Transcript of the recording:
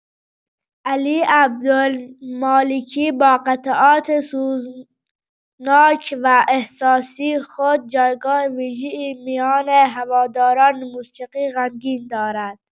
علی عبدالمالکی با قطعات سوزناک و احساسی خود، جایگاه ویژه‌ای میان هواداران موسیقی غمگین دارد.